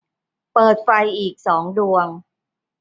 เปิดไฟอีกสองดวง